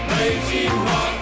đến